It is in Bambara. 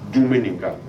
Dun bɛ nin kan